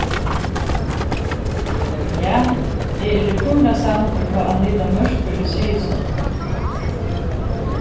ja eg eri púra samdur tá anita mørkøre sigur so